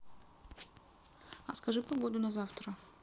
а скажи погоду на завтра